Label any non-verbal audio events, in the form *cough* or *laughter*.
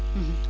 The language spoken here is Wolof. *hesitation* *hesitation*